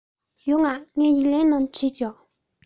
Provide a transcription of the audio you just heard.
ཡོང ང ངས ཡིག ལན ནང བྲིས ཆོག